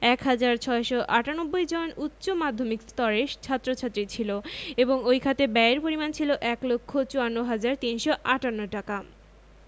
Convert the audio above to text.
১ হাজার ৬৯৮ জন উচ্চ মাধ্যমিক স্তরের ছাত্র ছাত্রী ছিল এবং ওই খাতে ব্যয়ের পরিমাণ ছিল ১ লক্ষ ৫৪ হাজার ৩৫৮ টাকা